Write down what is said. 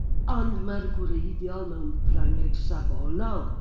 Ond mae'r gwreiddiol mewn Ffrangeg safonol.